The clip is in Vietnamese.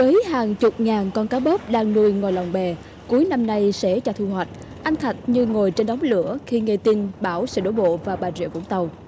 với hàng chục ngàn con cá bớp đang lùi ngoài lồng bè cuối năm nay sẽ cho thu hoạch anh thật như ngồi trên đống lửa khi nghe tin bão sẽ đổ bộ vào bà rịa vũng tàu